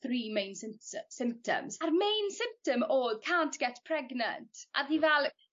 three main symty symptoms a'r mainsymptom o'dd can't get pregnant* a o'dd 'i fal yy...